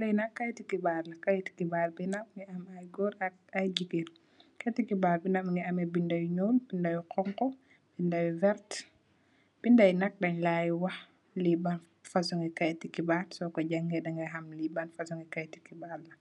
Lii nak keiti khibarr la, keiti khibarr bii nak mingy yohreh aiiy gorre ak gigain, keiti khibarr bii nak mungy ameh binda yu njull, binda yu khonku, binda yu vertue, binda yii nak dengh lai wakh lii ban fasoni keiti khibarr, sorkor jaangeh dangai ham lii ban fasoni keiti khibarr la,